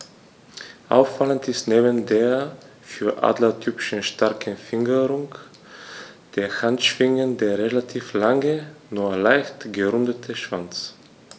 Auffallend ist neben der für Adler typischen starken Fingerung der Handschwingen der relativ lange, nur leicht gerundete Schwanz.